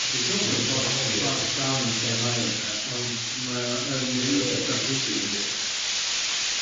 dwi'n teimlo bo' ni bog- bogged down yn lle mae o de, ond mae o yn un o'r petha pwysig yndi?